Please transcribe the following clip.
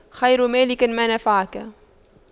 خير مالك ما نفعك